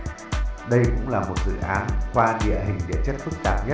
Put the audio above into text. đây cũng là dự án đi qua địa hình địa chất phức tạp nhất